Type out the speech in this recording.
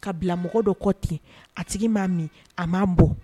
Ka bila mɔgɔ dɔ kɔ ten, a tigi ma min a ma bɔn.